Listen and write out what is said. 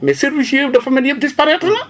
mais service yooyu yëpp dafa mel ni yëpp disparaître na